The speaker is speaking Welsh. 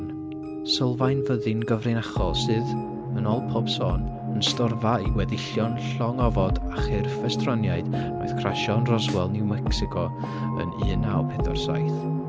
Sylfaen fyddin gyfrinachol sydd, yn ôl pob sôn, yn storfa i gweddillion llong ofod a chyrff estroniaid wnaeth crasio yn Roswell, New Mexico, yn un naw pedwar saith.